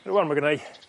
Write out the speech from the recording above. Rŵan ma' gynna i